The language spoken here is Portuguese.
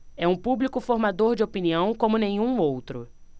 é um público formador de opinião como nenhum outro